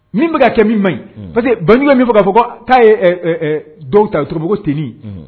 Min bɛka kɛ min man ɲi pa que ban min fɔ k'a fɔ'a dɔw ta toro ko tin